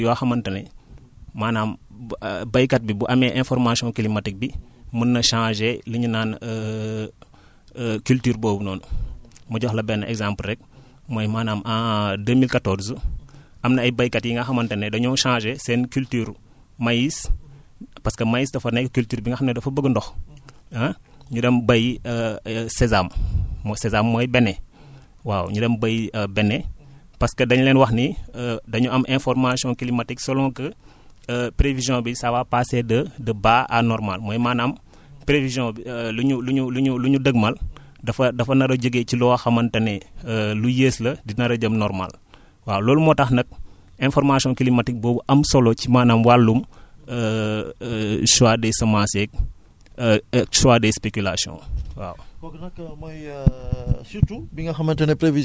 beneen bi si topp mooy maanaam am xam nga am na ay cultures yoo xamante ne maanaam bu baykat bi bu amee information climatique bi mën na changer li ñu naan culture boobu noonu ma jox la benn exemple rekk mooy maanaam en 2014 am na ay baykat yi nga xamante ne dañoo changer seen culture maïs parce que maïs dafa nekk culture bi nga xamante ne dafa bëgg ndox ah ñu dem bay i sésam moo sésam mooy bene waaw ñu dem bay i bene parce que dañ leen wax ni dañu am information climatique selon que prévision bi ça va passer de de bas à normale mooy maanaam prévision bi lu ñu lu ñu lu ñu lu ñu dëgmal dafa dafa dafa nar a jógee ci loo xamante ne luy yées la nar a jëm normale waaw loolu moo tax nag information climatique boobu am solo ci maanaam wàllum chois des semence yeeg choix des spéculations waaw